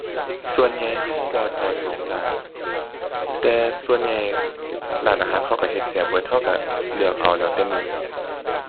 ส่วนใหญ่เราบ่เจาะจงร้าน แต่ส่วนใหญ่ร้านอาหารเขาเราเฮ็ดแซ่บเบิด เราเราเลือกเอา แล้วแต่มื้อ